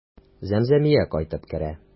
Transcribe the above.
Зәмзәмия кайтып керә.